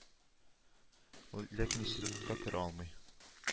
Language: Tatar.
Ләкин институтка керә алмый